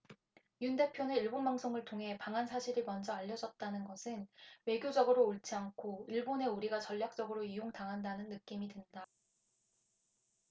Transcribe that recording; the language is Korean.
윤 대표는 일본 방송을 통해 방한 사실이 먼저 알려졌다는 것은 외교적으로 옳지 않고 일본에 우리가 전략적으로 이용당한다는 느낌이 든다